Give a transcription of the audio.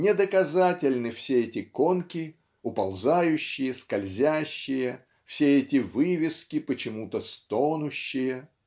-- недоказательны все эти конки уползающие скользящие все эти вывески почему-то стонущие.